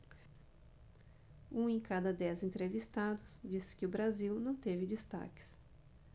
um em cada dez entrevistados disse que o brasil não teve destaques